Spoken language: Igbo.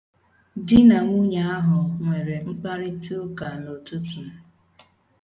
Di na nwunye ahụ nwere mkparịtaụka n' ụtụtụ.